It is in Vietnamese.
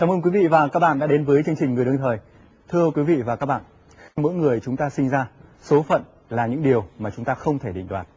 cảm ơn quý vị và các bạn đã đến với chương trình người đương thời thưa quý vị và các bạn mỗi người chúng ta sinh ra số phận là những điều mà chúng ta không thể định đoạt